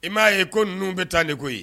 I m'a ye ko n ninnu bɛ taa de koyi yen